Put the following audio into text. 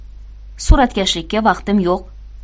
suratkashlikka vaqtim yo'q